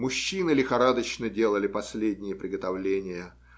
мужчины лихорадочно делали последние приготовления.